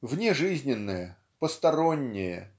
Внежизненное постороннее